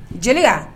Jeliya